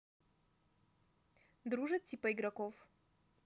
дружат типа игроков